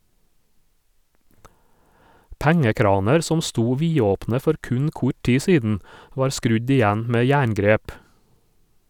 Pengekraner som sto vidåpne for kun kort tid siden, var skrudd igjen med jerngrep.